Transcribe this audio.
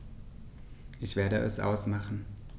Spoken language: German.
Ich werde es ausmachen